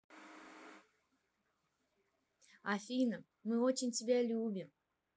афина мы очень тебя любим